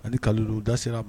Ani kalo don da sira